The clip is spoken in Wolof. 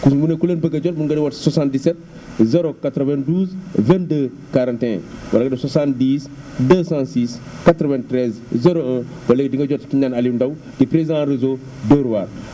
ku si mën a ku leen bëgg a jot mën ngaa woote si 77 092 22 41 wala nga def 70 206 93 01 ba léegi di nga jot ku énu naan Aliou Ndao di président réeau Dóor waar